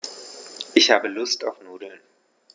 Ich habe Lust auf Nudeln.